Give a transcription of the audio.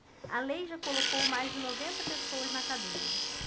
a lei já colocou mais de noventa pessoas na cadeia